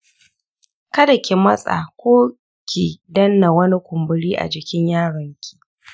kada ki matsa ko ki danna wani kumburi a jikin yaron ki.